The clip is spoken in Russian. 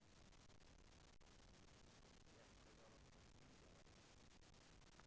я сказала спасибо